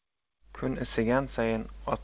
kun isigan sayin otlarning